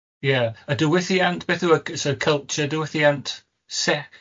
Yeah, y diwylliant, beth yw y g- so culture, diwylliant